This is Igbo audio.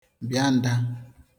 bịa nda